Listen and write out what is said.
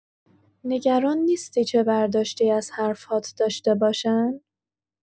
نگران نیستی چه برداشتی از حرف‌هات داشته باشن؟